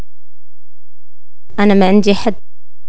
انا ما عندي